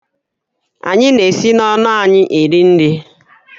Anyị na-esi n'ọnụ anyị eri nri.